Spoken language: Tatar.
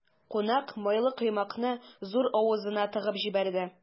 Кунак майлы коймакны зур авызына тыгып җибәрде.